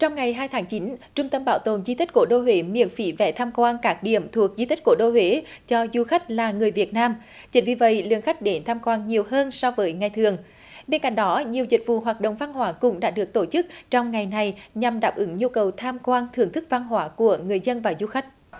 trong ngày hai tháng chín trung tâm bảo tồn di tích cố đô huế miễn phí vé tham quan các điểm thuộc di tích cố đô huế cho du khách là người việt nam chính vì vậy lượng khách đến tham quan nhiều hơn so với ngày thường bên cạnh đó nhiều dịch vụ hoạt động văn hóa cũng đã được tổ chức trong ngày này nhằm đáp ứng nhu cầu tham quan thưởng thức văn hóa của người dân và du khách